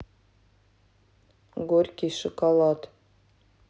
горький шоколад